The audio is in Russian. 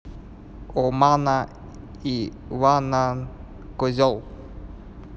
обама иванна козел